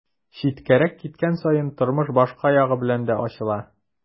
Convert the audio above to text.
Читкәрәк киткән саен тормыш башка ягы белән дә ачыла.